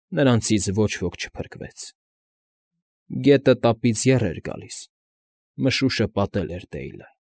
Նրանցից ոչ ոք չփրկվեց։ Գետը տապից եռ էր գալիս, մշուշը պատել էր Դեյլը։